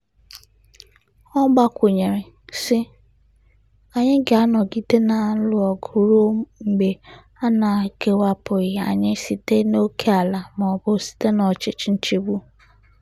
Ọ gbakwụnyere, sị: "Anyị ga-anọgide na-alụ ọgụ ruo mgbe a na-kewapụghị anyị site n'ókè ala maọbụ site n'ọchịchị nchigbu."